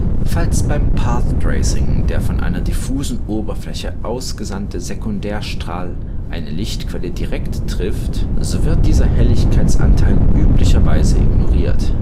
Falls beim Path Tracing der von einer diffusen Oberfläche ausgesandte Sekundärstrahl eine Lichtquelle direkt trifft, so wird dieser Helligkeitsanteil üblicherweise ignoriert